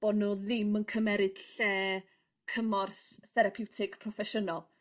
bo' nhw ddim yn cymeryd lle cymorth therapiwtig proffesiynol.